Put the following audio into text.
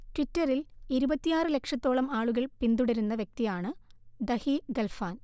ട്വിറ്ററിൽ ഇരുപത്തിയാറ് ലക്ഷത്തോളം ആളുകൾ പിന്തുടരുന്ന വ്യക്തിയാണ് ധഹി ഖൽഫാൻ